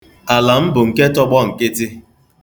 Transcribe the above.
Ala m bụ nke tọgbọ nkịtị.